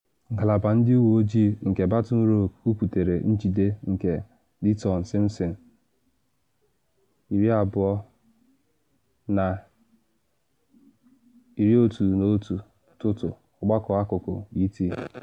Ngalaba Ndị Uwe Ojii nke Baton Rouge kwuputere njide nke Dyteon Simpson, 20, na 11 ụtụtụ. Ọgbakọ akụkọ ET.